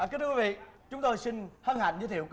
và kính thưa quý vị chúng tôi xin hân hạnh giới thiệu